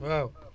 waaw